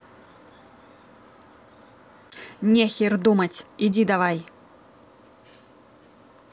нехер думать иди давай